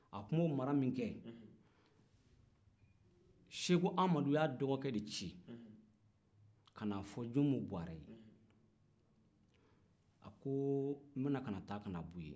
a tun b'o mara min kɛ seko amadu y'a dɔgɔkɛ de ci ka na fɔ junmu buwaɛ ye a ko n ɛ taa ka na b'i ye